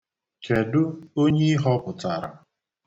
Kedụ onye I họpụtara?